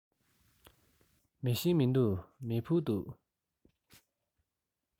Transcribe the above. མེ ཤིང མི འདུག མེ ཕུ འདུག